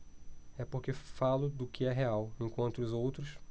é porque falo do que é real enquanto os outros